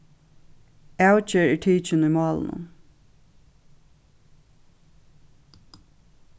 avgerð er tikin í málinum